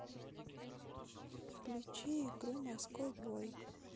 включи игру морской бой